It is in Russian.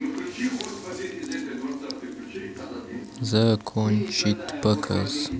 закончить показ